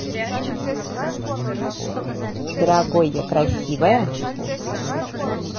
дорогой я красивая